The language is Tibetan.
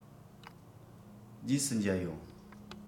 རྗེས སུ མཇལ ཡོང